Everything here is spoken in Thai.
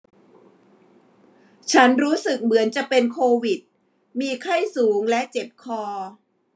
ฉันรู้สึกเหมือนจะเป็นโควิดมีไข้สูงและเจ็บคอ